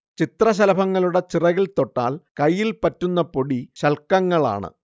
ചിത്രശലഭങ്ങളുടെ ചിറകിൽത്തൊട്ടാൽ കൈയിൽ പറ്റുന്ന പൊടി ശൽക്കങ്ങളാണ്